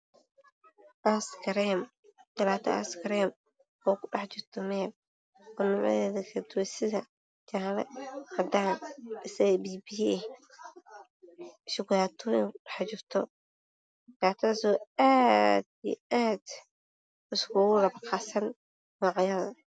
Askareem jalaato askareem o ku dhex jirto meel sida jaale cadan bisel biyo biyo aj